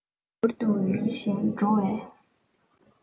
མྱུར དུ ཡུལ གཞན འགྲོ བའི